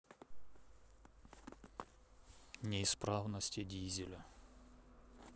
неисправности дизеля